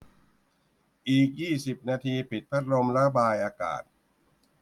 อีกยี่สิบนาทีปิดพัดลมระบายอากาศ